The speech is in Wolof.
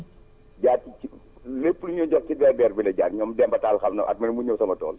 jaar ci lépp lu ñuy jot ci DRDR bi la jaar ñoom Demba Tall xam na at mee mu ñëw sama tool